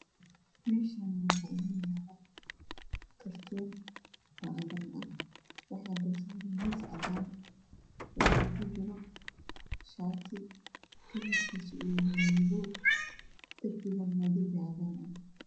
Mashan waa yalo cag kalar kisi waa cadan waxaa kujiro shati madow